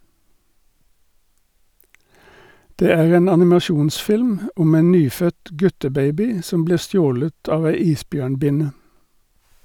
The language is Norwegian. Det er en animasjonsfilm om en nyfødt guttebaby som blir stjålet av ei isbjørnbinne.